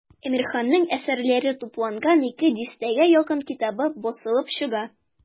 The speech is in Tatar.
Әмирханның әсәрләре тупланган ике дистәгә якын китабы басылып чыга.